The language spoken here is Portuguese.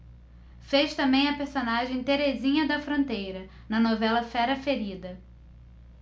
fez também a personagem terezinha da fronteira na novela fera ferida